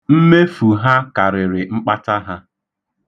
Mmefu ha karịrị mkpata ha.